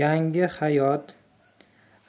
yangi hayot